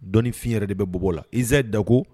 Dɔɔni fin yɛrɛ de bɛ bɔbɔ la izayi dako.